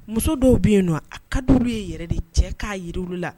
Muso dɔw bɛ yen nɔ a ka d ye yɛrɛ de cɛ k'a yiri la